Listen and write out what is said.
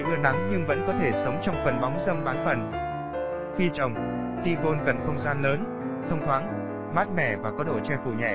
cây ưa nắng nhưng vẫn có thể sống trong phần bóng râm bán phần khi trồng tigon cần không gian lớn thông thoáng mát mẻ và có độ che phủ nhẹ